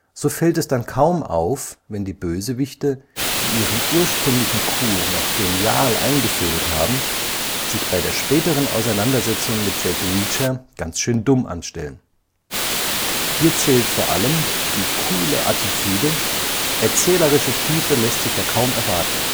So fällt es dann kaum auf, wenn die Bösewichte, die ihren ursprünglichen Coup noch genial eingefädelt haben, sich bei der späteren Auseinandersetzung mit Jack Reacher ganz schön dumm anstellen. Hier zählt vor allem die coole Attitüde, erzählerische Tiefe lässt sich da kaum erwarten